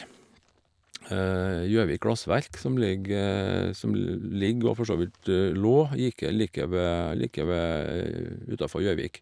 Gjøvik Glassverk, som ligger som ligger, og forsåvidt lå, jike like ved like ved utafor Gjøvik.